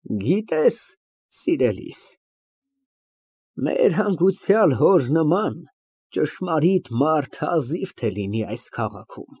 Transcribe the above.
Գիտես, սիրելիս, մեր հանգուցյալ հոր նման ճշմարիտ մարդ հազիվ թե լինի այս քաղաքում։